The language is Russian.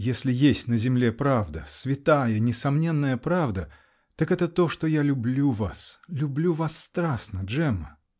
-- Если есть на земле правда, святая, несомненная правда, -- так это то, что я люблю вас, люблю вас страстно, Джемма!